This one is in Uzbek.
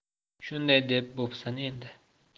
shunday deb bo'psan edi